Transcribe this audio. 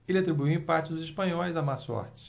ele atribuiu o empate dos espanhóis à má sorte